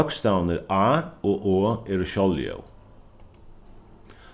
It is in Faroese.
bókstavirnir a og o eru sjálvljóð